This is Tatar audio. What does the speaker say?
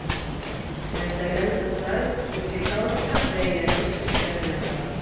Мәсәлән, социаль капитал һәм бәйләнеш көчләренә карап.